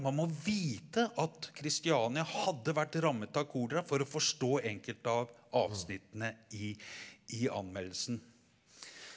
man må vite at Christiania hadde vært rammet av kolera for å forstå enkelte av avsnittene i i anmeldelsen.